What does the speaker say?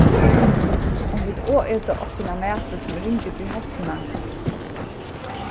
um vit oveta okkum av mati sum er ringur fyri heilsuna